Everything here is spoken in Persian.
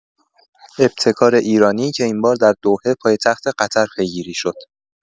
ابتکار ایرانی که این بار در دوحه پایتخت قطر پیگیری شد.